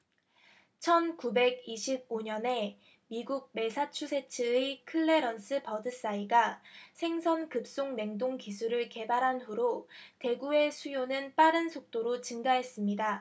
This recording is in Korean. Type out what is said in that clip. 천 구백 이십 오 년에 미국 매사추세츠의 클래런스 버드사이가 생선 급속 냉동 기술을 개발한 후로 대구의 수요는 빠른 속도로 증가했습니다